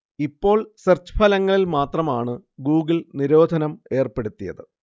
ഇപ്പോൾ സെർച്ച് ഫലങ്ങളിൽ മാത്രമാണ് ഗൂഗിൾ നിരോധനം ഏർപ്പെടുത്തിയത്